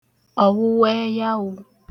ọ̀wụwaẹyawụ̄